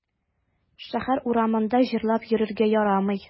Шәһәр урамында җырлап йөрергә ярамый.